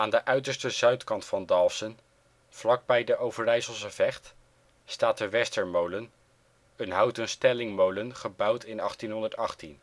de uiterste zuidkant van Dalfsen, vlakbij de Overijsselse Vecht, staat de Westermolen, een houten stellingmolen gebouwd in 1818